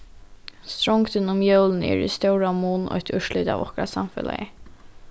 strongdin um jólini er í stóran mun eitt úrslit av okkara samfelagi